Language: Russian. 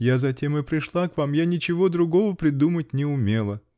Я затем и пришла к вам: я ничего другого придумать не умела!